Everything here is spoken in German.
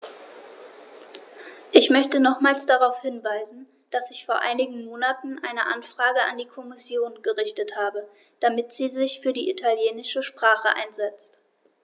Ich möchte nochmals darauf hinweisen, dass ich vor einigen Monaten eine Anfrage an die Kommission gerichtet habe, damit sie sich für die italienische Sprache einsetzt.